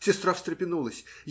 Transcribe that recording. Сестра встрепенулась.